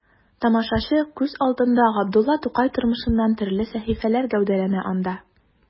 Тамашачы күз алдында Габдулла Тукай тормышыннан төрле сәхифәләр гәүдәләнә анда.